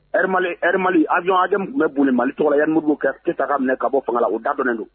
Ma ma ajd bɛ boli mali tɔgɔ yɛrɛmolu kɛra kɛtaka minɛ ka bɔ fanga la o dadnen don